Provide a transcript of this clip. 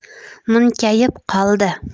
munkayib qoldi